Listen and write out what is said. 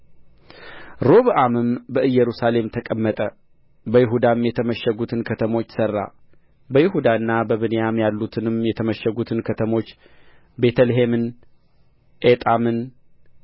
ሮብዓምም በኢየሩሳሌም ተቀመጠ በይሁዳም የተመሸጉትን ከተሞች ሠራ በይሁዳና በብንያም ያሉትንም የተመሸጉትን ከተሞች ቤተ ልሔም ኤጣምን